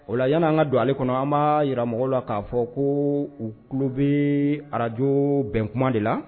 O la yan an ka don ale kɔnɔ an ma yi mɔgɔw la k'a fɔ ko u tulo bɛ arajo bɛn kuma de la